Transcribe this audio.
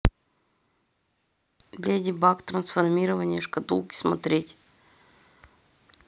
леди баг трансформирование шкатулки смотреть